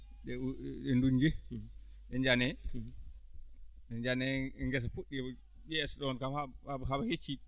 eyyi e ndu jeeyi ɗe jaane ɗe jaane ngesa puɗɗii ma ƴeeso ɗon kam haaba haaba hecciɗi